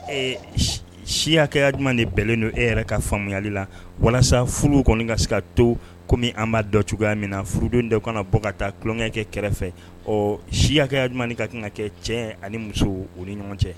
Ee s si hakɛya jumɛn de bɛlen do e yɛrɛ ka famuyali la walasa furuw kɔni ka se ka to comme an b'a dɔn cogoya min na furudenw de kaan ka bɔ ka taa tuloŋ kɛ kɛrɛfɛ ɔɔ si hakɛya jumɛn de kaan ka kɛ cɛ ani muso u ni ɲɔgɔn cɛ